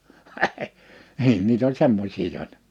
niin niitä oli semmoisia joita